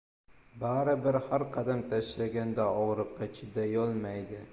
bari bir har qadam tashlaganda og'riqqa chidayolmaydi